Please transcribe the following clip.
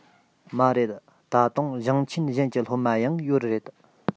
མ རེད ད དུང ཞིང ཆེན གཞན གྱི སློབ མ ཡང ཡོད རེད